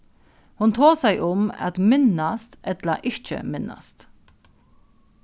hon tosaði um at minnast ella ikki minnast